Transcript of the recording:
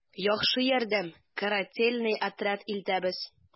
«яхшы ярдәм, карательный отряд илтәбез...»